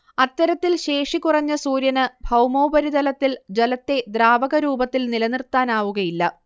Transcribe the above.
അത്തരത്തിൽ ശേഷി കുറഞ്ഞ സൂര്യന് ഭൗമോപരിതലത്തിൽ ജലത്തെ ദ്രാവക രൂപത്തിൽ നിലനിർത്താനാവുകയില്ല